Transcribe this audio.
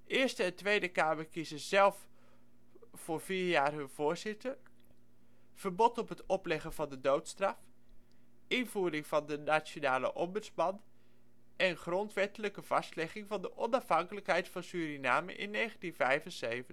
Eerste en Tweede Kamer kiezen zelf voor vier jaar hun voorzitter verbod tot het opleggen van de doodstraf invoering van de Nationale Ombudsman grondwettelijke vastlegging van de onafhankelijkheid van Suriname in 1975